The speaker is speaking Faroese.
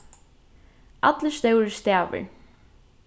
allir stórir stavir